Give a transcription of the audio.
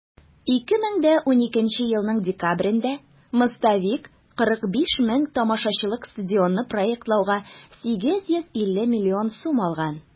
2012 елның декабрендә "мостовик" 45 мең тамашачылык стадионны проектлауга 850 миллион сум алган.